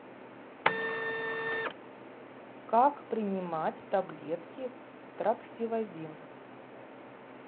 как принимать таблетки траксивозин